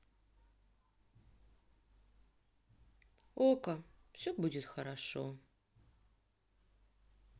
okko все будет хорошо